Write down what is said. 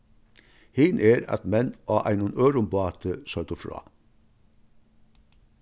hin er at menn á einum øðrum báti søgdu frá